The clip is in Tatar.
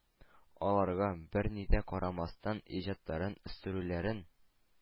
Аларга, бернигә дә карамастан, иҗатларын үстерүләрен,